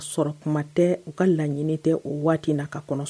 Sɔrɔ kuma tɛ u ka laɲini tɛ o waati na ka kɔnɔ